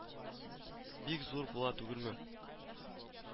Бик зур була түгелме